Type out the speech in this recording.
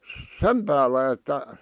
sen päällä että